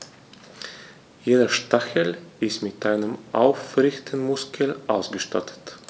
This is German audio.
Jeder Stachel ist mit einem Aufrichtemuskel ausgestattet.